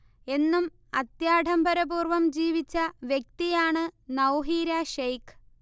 എന്നും അത്യാഢംബര പൂർവ്വം ജീവിച്ച വ്യക്തിയാണ് നൗഹീര ഷേയ്ഖ്